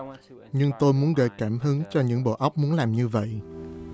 nhưng tôi muốn gợi cảm hứng cho những bộ óc muốn làm như vậy